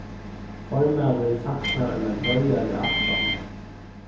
formaðurin saknar eina greiðari ætlan